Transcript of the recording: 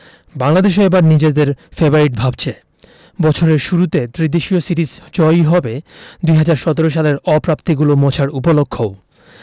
বাংলাদেশও এবার নিজেদের ফেবারিট ভাবছে বছরের শুরুতে ত্রিদেশীয় সিরিজ জয়ই হবে ২০১৭ সালের অপ্রাপ্তিগুলো মোছার উপলক্ষও